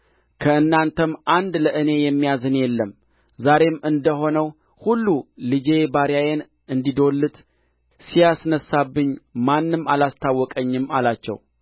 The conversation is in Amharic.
ከእናንተም አንድ ለእኔ የሚያዝን የለም ዛሬም እንደ ሆነው ሁሉ ልጄ ባሪያዬን እንዲዶልት ሲያስነሣብኝ ማንም አላስታወቀኝም አላቸው